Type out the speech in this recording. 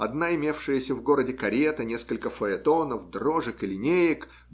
одна имевшаяся в городе карета, несколько фаэтонов, дрожек и линеек